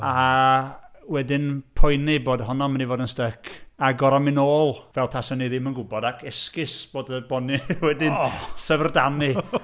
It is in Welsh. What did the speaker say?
A wedyn poeni bod honno yn mynd i fod yn styc, a gorod mynd nôl, fel tasen ni ddim yn gwbod, ac esgus bod y bod ni wedi... O! ...ein syfrdanu